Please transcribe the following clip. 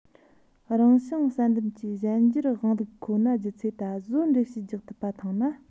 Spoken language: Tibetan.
རང བྱུང བསལ འདེམས ཀྱི གཞན འགྱུར གཞུང ལུགས ཁོ ན བརྒྱུད ཚེ ད གཟོད འགྲེལ བཤད རྒྱག ཐུབ པ མཐོང ན